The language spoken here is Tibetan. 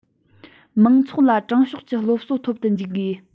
མང ཚོགས ལ དྲང ཕྱོགས ཀྱི སློབ གསོ ཐོབ ཏུ འཇུག དགོས